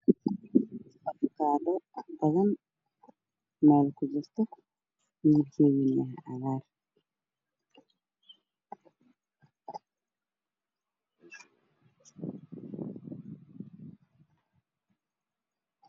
Waa afkaadho meel ku jirta midabkeedu yahay cagaar iyo madow